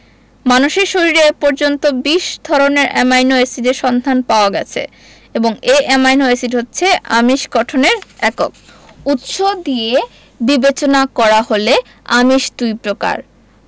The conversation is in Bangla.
মানুষের শরীরে এ পর্যন্ত ২০ ধরনের অ্যামাইনো এসিডের সন্ধান পাওয়া গেছে এবং এ অ্যামাইনো এসিড হচ্ছে আমিষ গঠনের একক উৎস দিয়ে বিবেচনা করা হলে আমিষ দুই প্রকার